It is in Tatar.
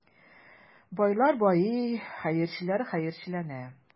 Байлар байый, хәерчеләр хәерчеләнә.